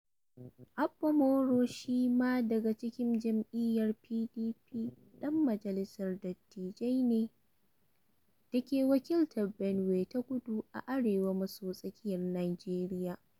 Abba Moro shi ma daga jam'iyyar PDP ɗan majalisar dattijai ne da ke wakiltar Benue ta Kudu a Arewa maso tsakiyar Nijeriya.